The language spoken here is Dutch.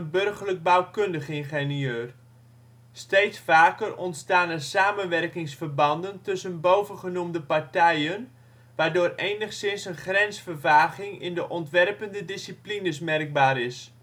Burgerlijk-bouwkundig ingenieur (Vlaanderen) genoemd. Steeds vaker ontstaan er samenwerkingsverbanden tussen bovengenoemde partijen, waardoor enigszins een grensvervaging in de ontwerpende disciplines merkbaar is